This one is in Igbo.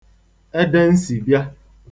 edensìbịa